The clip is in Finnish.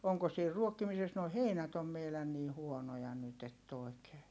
onko siinä ruokkimisessa nuo heinät on meidän niin huonoja nyt että oikein